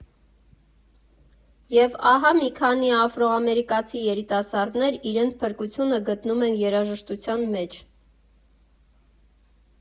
Եվ ահա մի քանի աֆրոամերիկացի երիտասարդներ իրենց փրկությունը գտնում են երաժշտության մեջ։